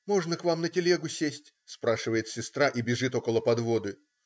"Можно к вам на телегу сесть?" спрашивает сестра и бежит около подводы.